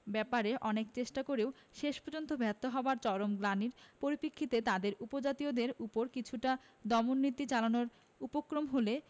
ব্যপারে অনেক চেষ্টা করেও শেষ পর্যন্ত ব্যর্থ হবার চরম গ্লানির পরিপ্রেক্ষিতে তাদের উপজাতীয়দের ওপর কিছুটা দমন নীতি চালানোর উপক্রম হলে